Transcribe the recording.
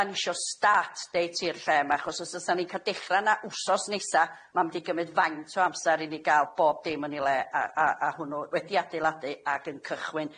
da ni isio start date i'r lle yma achos os o'san ni'n ca'l dechra na wsos nesa ma'n mynd i gymyd faint o amsar i ni ga'l bob dim yn ei le a a a hwnnw wedi adeiladu ag yn cychwyn.